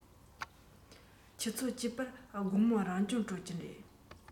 ཆུ ཚོད བཅུ པར དགོང མོའི རང སྦྱོང གྲོལ གྱི རེད